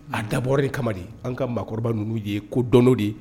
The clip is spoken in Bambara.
A dabɔ ni kamadi an ka maakɔrɔbaba ninnu ye ko dɔn de ye